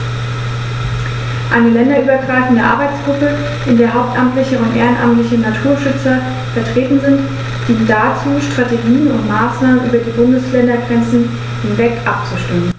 Eine länderübergreifende Arbeitsgruppe, in der hauptamtliche und ehrenamtliche Naturschützer vertreten sind, dient dazu, Strategien und Maßnahmen über die Bundesländergrenzen hinweg abzustimmen.